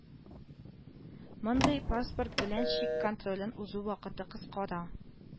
Мондый паспорт белән чик контролен узу вакыты кыскара